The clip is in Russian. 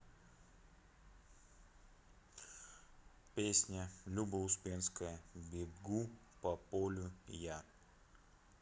песня люба успенская бегу по полю я